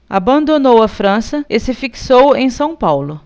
abandonou a frança e se fixou em são paulo